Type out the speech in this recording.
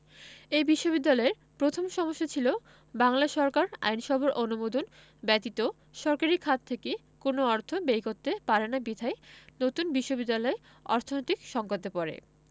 এ বিশ্ববিদ্যালয়ের প্রথম সমস্যা ছিল বাংলা সরকার আইনসভার অনুমোদন ব্যতীত সরকারি খাত থেকে কোন অর্থ ব্যয় করতে পারে না বিধায় নতুন বিশ্ববিদ্যালয় অর্থনৈতিক সংকটে পড়ে